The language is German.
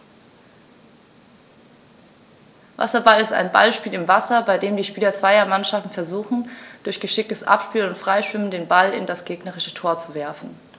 Wasserball ist ein Ballspiel im Wasser, bei dem die Spieler zweier Mannschaften versuchen, durch geschicktes Abspielen und Freischwimmen den Ball in das gegnerische Tor zu werfen.